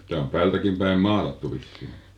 tämä on päältäkin päin maalattu vissiin